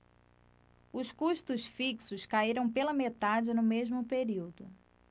os custos fixos caíram pela metade no mesmo período